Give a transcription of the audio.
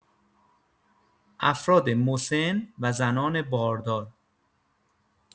افراد مسن و زنان باردار